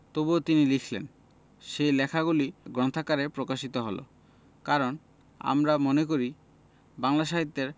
তবু তিনি লিখলেন সেই লেখাগুলি গ্রন্থাকারে প্রকাশিত হল কারণ আমরা মনে করি বাংলা সাহিত্যের